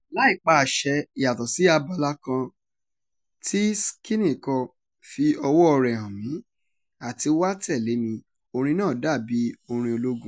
Láì pa àṣẹ (yàtọ̀ sí abala kan tí Skinny kọ "fi ọwọ́ọ̀ rẹ hàn mí" àti "wá tẹ̀lé mi", orin náà dàbí orin ológun.